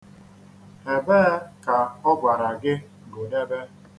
Ebee ka ọ gwara gị gụdebe?